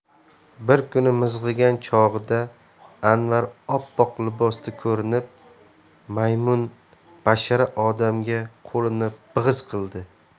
bir kuni mizg'igan chog'ida anvar oppoq libosda ko'rinib maymunbashara odamga qo'lini bigiz qildi